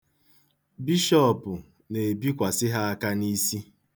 Bishọp na-ebikwasị ha aka n'isi.